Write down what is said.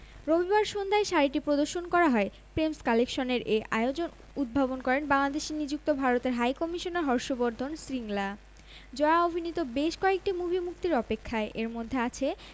বিনোদন মোশাররফ করিমের full HD নাটকের জনপ্রিয় মুখ মোশাররফ করিম বলা যায় টিভি নাটকে বিনোদনে ভরপুর প্যাকেজ মূলত খণ্ডনাটক নিয়েই ব্যস্ততা তার